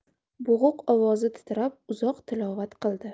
bo'g'iq ovozi titrab uzoq tilovat qildi